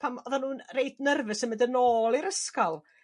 pam o'dda n'w'n reit nyrfys yn mynd yn ôl i'r ysgol